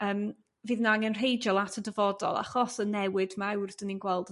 yrm fydd 'n angenrheidiol at o dyfodol achos yn newid mewr dyn ni'n gweld